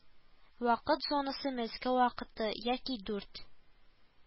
Вакыт зонасы Мәскәү вакыты яки дүрт